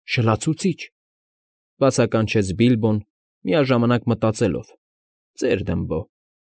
Շլացուցիչ,֊ բացականչեց Բիլբոն, միաժամանակ մտածելով՝ «Ծեր դմբո։